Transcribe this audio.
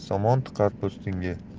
somon tiqar po'stingga